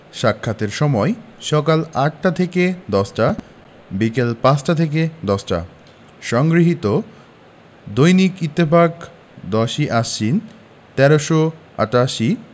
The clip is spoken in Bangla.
সাক্ষাতের সময়ঃসকাল ৮টা থেকে ১০টা - বিকাল ৫টা থেকে ১০টা সংগৃহীত দৈনিক ইত্তেফাক ১০ই আশ্বিন ১৩৮৮